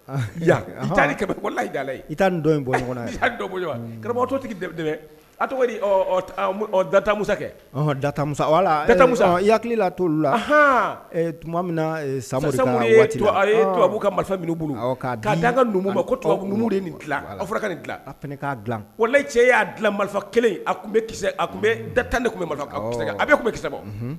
Li i n bɔ karamɔgɔtotigi dɛ dɛ a tɔgɔ datasakɛtasa hakili' to la tuma min sa sa tubabubu ka marifa ma ko tubabu de nin a fɔra ka nin dila a k' dilala cɛ y'a dilan marifa kelen a kun tan a tun bɛ kisɛ